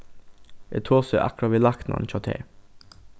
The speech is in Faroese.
eg tosi akkurát við læknan hjá tær